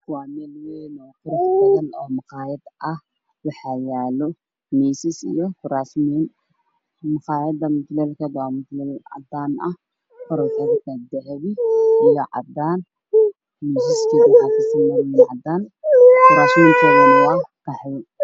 Waa maqaayad aada u qurux badan waxaa yaalo miisaas kuraas kor waa caddaan dhulka waa mutuel cadaan miisaska waa qaxooy